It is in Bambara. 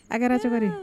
A kɛra cogo di